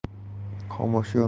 xomashyo narxining oshishi